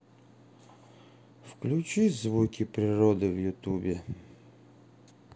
включи звуки природы в ютубе